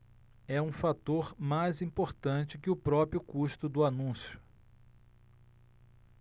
é um fator mais importante que o próprio custo do anúncio